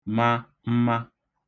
ma mma